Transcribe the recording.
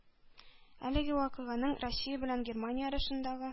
Әлеге вакыйганың россия белән германия арасындагы